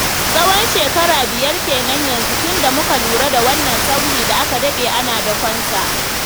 Tsawon shekara biyar ke nan yanzu tunda muka lura da wannan sauyi da aka daɗe ana dakon sa.